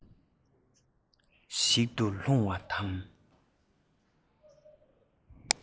ཞིག ཏུ ལྷུང བ དང